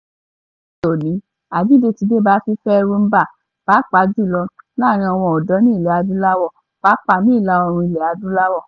Ní òde òní, àjíǹde ti débá fífẹ́ Rhumba, pàápàá jùlọ láàárín àwọn ọ̀dọ́ ní Ilẹ̀ Adúláwò pàápàá ní Ìlà-oòrùn Ilẹ̀ Adúláwò.